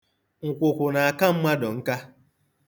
Nkwụkwụ na-aka mmadụ nka.